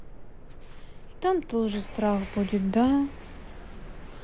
и там тоже страх будет да